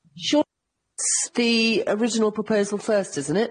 Siŵr...'S the original proposal first isn't it?